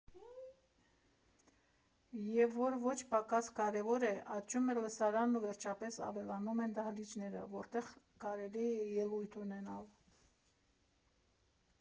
Եվ որ ոչ պակաս կարևոր է, աճում է լսարանն ու վերջապես ավելանում են դահլիճները, որտեղ կարելի է ելույթ ունենալ։